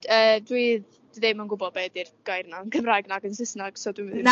Yy dwi ddim yn gw'bod be 'di'r gair 'na yn Gymraeg nag yn Saesneg so dwi ddim...